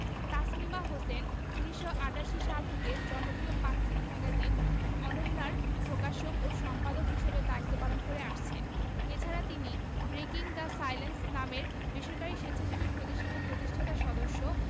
তাসমিমা হোসেন ১৯৮৮ সাল থেকে জনপ্রিয় পাক্ষিক ম্যাগাজিন অনন্যা র প্রকাশক ও সম্পাদক হিসেবে দায়িত্ব পালন করে আসছেন এ ছাড়া তিনি ব্রেকিং দ্য সাইলেন্স নামের বেসরকারি স্বেচ্ছাসেবী প্রতিষ্ঠানের প্রতিষ্ঠাতা সদস্য